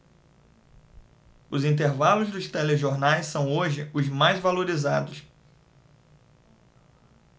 os intervalos dos telejornais são hoje os mais valorizados